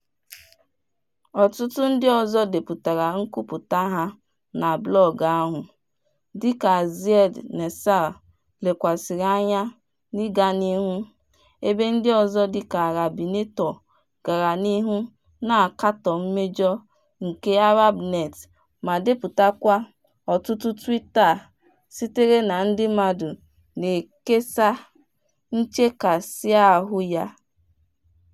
Ọtụtụ ndị ọzọ depụtara nkwupụta ha na blọọgụ ahụ: dịka Ziad Nasser lekwasịrị anya n'ịga n'ihu, ebe ndị ọzọ dịka Arabinator gara n'ihu na-akatọ mmejọ nke Arabnet ma depụtakwa ọtụtụ tweet[ar] sitere na ndị mmadụ na-ekesa nchekasịahụ ya.